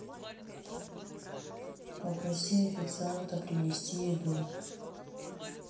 попроси официанта принести еду